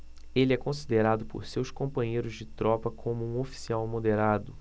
ele é considerado por seus companheiros de tropa como um oficial moderado